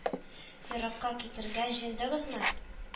Еракка китәргә җыендыгызмы?